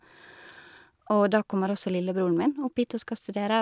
Og da kommer også lillebroren min opp hit og skal studere.